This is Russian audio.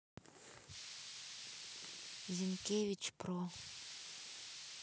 зинкевич про